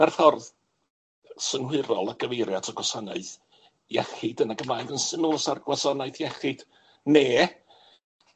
Ma'r ffordd synhwyrol o gyfeirio at y gwasanaeth iechyd yn y Gymraeg yn syml sa'r gwasanaeth iechyd, ne'